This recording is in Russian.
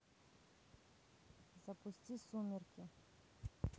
запусти сумерки